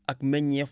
ak meññeef